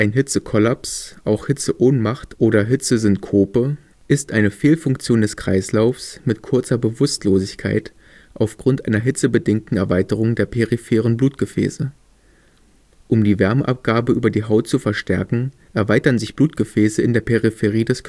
Hitzekollaps, auch Hitzeohnmacht oder Hitzesynkope ist eine Fehlfunktion des Kreislaufs mit kurzer Bewusstlosigkeit aufgrund einer hitzebedingten Erweiterung der peripheren Blutgefäße. Um die Wärmeabgabe über die Haut zu verstärken, erweitern sich Blutgefäße in der Peripherie des